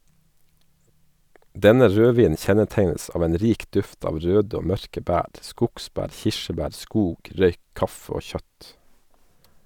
Denne rødvinen kjennetegnes av en rik duft av røde og mørke bær, skogsbær, kirsebær, skog, røyk, kaffe og kjøtt.